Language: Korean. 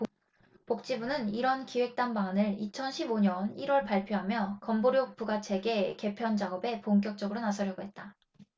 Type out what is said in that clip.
복지부는 이런 기획단 방안을 이천 십 오 년 일 월 발표하며 건보료 부과체계 개편작업에 본격적으로 나서려고 했다